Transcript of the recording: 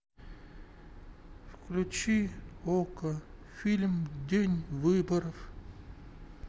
включи окко фильм день выборов